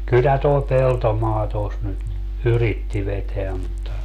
kyllä tuo Peltomaa tuossa nyt yritti vetää mutta